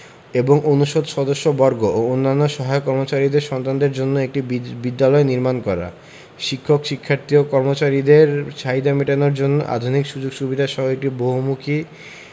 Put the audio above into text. এবং অনুষদ সদস্যবর্গ ও অন্যান্য সহায়ক কর্মচারীদের সন্তানদের জন্য একটি বিদ্যালয় নির্মাণ করা শিক্ষক শিক্ষার্থী ও কর্মচারীদের চাহিদা মেটানোর জন্য আধুনিক সুযোগ সুবিধাসহ একটি বহুমুখী